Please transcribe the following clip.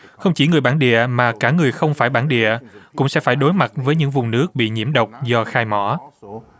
không chỉ người bản địa mà cả người không phải bản địa cũng sẽ phải đối mặt với những vùng nước bị nhiễm độc do khai mỏ